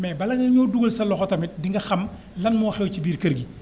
mais bala ñu ñoo dugal sa loxo tamit di nga xam lan moo xew ci biir kër gi